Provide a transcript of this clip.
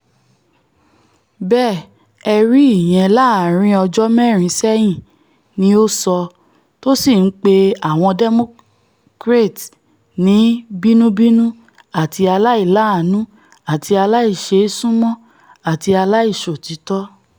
Bẹ́ẹ̀ ẹ rí ìyẹn láàrin ọjọ́ mẹ́rin ṣẹ́yìn,''ni o sọ, tó sì ńpe Awọn Democrats ní ''bínubínú àti aláìláàánú àti aláìṣeésúnmọ àti aláiṣòtítọ́.